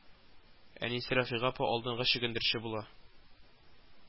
Әнисе, Рафига апа, алдынгы чөгендерче була